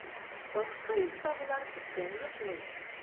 Башка йорттагылар күптән йоклый.